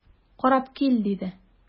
Карап кил,– диде.